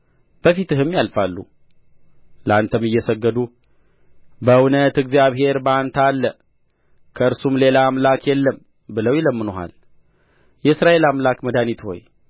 በፊትህም ያልፋሉ ለአንተም እየሰገዱ በእውነት እግዚአብሔር በአንተ አለ ከእርሱም ሌላ አምላክ የለም ብለው ይለምኑሃል የእስራኤል አምላክ መድኃኒት ሆይ